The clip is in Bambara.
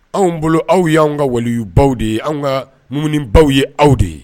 Anw bolo aw y'an ka walIyu baw de ye anw kaa mumini baw ye aw de ye